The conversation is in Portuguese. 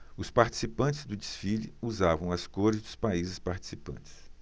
os participantes do desfile usavam as cores dos países participantes